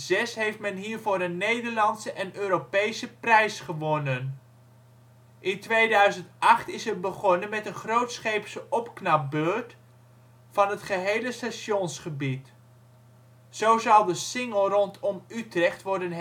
2006 heeft men hiervoor een Nederlandse en Europese prijs gewonnen. In 2008 is er begonnen met een grootscheepse opknapbeurt van het gehele stationsgebied (zie Aanpak Stationsgebied). Zo zal de singel rondom Utrecht worden